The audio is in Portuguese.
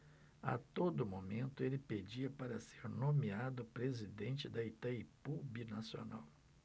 a todo momento ele pedia para ser nomeado presidente de itaipu binacional